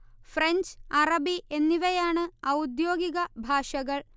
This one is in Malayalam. ഫ്രഞ്ച് അറബി എന്നിവയാണ് ഔദ്യോഗിക ഭാഷകൾ